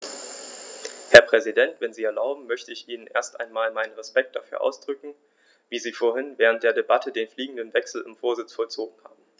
Herr Präsident, wenn Sie erlauben, möchte ich Ihnen erst einmal meinen Respekt dafür ausdrücken, wie Sie vorhin während der Debatte den fliegenden Wechsel im Vorsitz vollzogen haben.